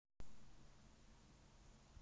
лишая любовница коли